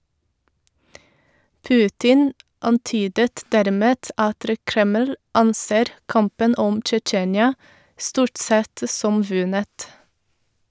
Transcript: Putin antydet dermed at Kreml anser kampen om Tsjetsjenia stort sett som vunnet.